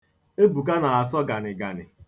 Ebuka na-asọ ganịganị.